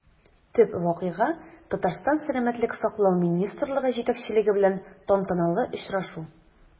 Төп вакыйга – Татарстан сәламәтлек саклау министрлыгы җитәкчелеге белән тантаналы очрашу.